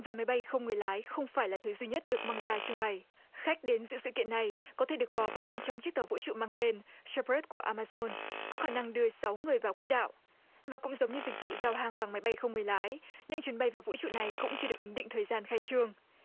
và máy bay không người lái không phải là thứ duy nhất được mang ra trưng bày khách đến dự sự kiện này có thể được bò vào bên trong chiếc tàu vũ trụ mang tên chơ vớt của a ma dôn có khả năng đưa sáu người vào quỹ đạo và cũng giống như dịch vụ giao hàng bằng máy bay không người lái những chuyến bay vào vũ trụ này cũng chưa được ấn định thời gian khai trương